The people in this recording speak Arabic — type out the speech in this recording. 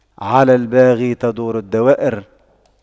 على الباغي تدور الدوائر